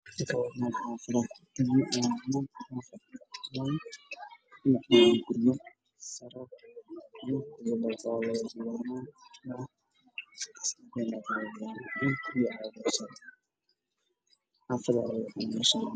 Waa magaalo guryaha waa jiingad